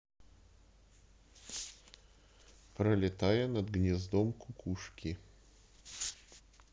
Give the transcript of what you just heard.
пролетая над гнездом кукушки